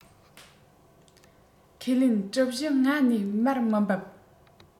ཁས ལེན གྲི བཞི ལྔ ནས མར མི འབབ